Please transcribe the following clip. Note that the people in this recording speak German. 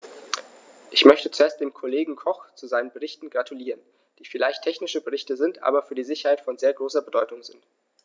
Ich möchte zuerst dem Kollegen Koch zu seinen Berichten gratulieren, die vielleicht technische Berichte sind, aber für die Sicherheit von sehr großer Bedeutung sind.